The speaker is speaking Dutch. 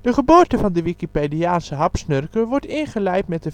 geboorte van de Wikipediaanse hapsnurker wordt ingeleid met